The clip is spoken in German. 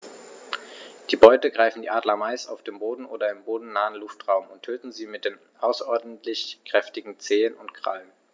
Die Beute greifen die Adler meist auf dem Boden oder im bodennahen Luftraum und töten sie mit den außerordentlich kräftigen Zehen und Krallen.